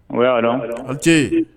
O y'a dɔn o ce